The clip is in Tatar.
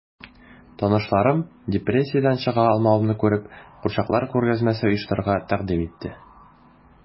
Танышларым, депрессиядән чыга алмавымны күреп, курчаклар күргәзмәсе оештырырга тәкъдим итте...